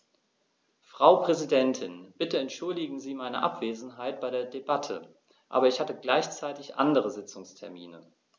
Frau Präsidentin, bitte entschuldigen Sie meine Abwesenheit bei der Debatte, aber ich hatte gleichzeitig andere Sitzungstermine.